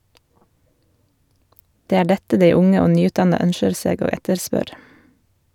Det er dette dei unge og nyutdanna ønskjer seg og etterspør.